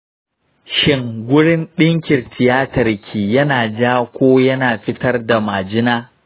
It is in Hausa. shin gurin dinkin tiyatar ki yana ja ko yana fitar da majina?